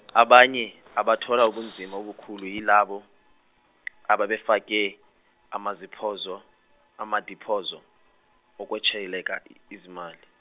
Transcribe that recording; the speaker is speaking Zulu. abanye abathola ubunzima obukhulu yilabo ababefake amaziphozo- amadipozo okwetsheleka izimali.